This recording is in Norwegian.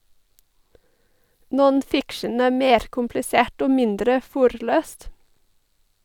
"Non-Fiction" er mer komplisert og mindre forløst.